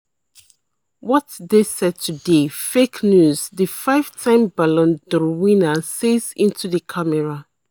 What they said today, fake news," the five-time Ballon d'Or winner says into the camera.